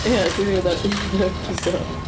Ia, os ti 'di bod ar un episode...